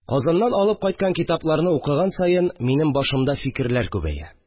Казаннан алып кайткан китапларны укыган саен, минем башымда фикерләр күбәя